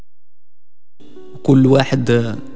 كل واحد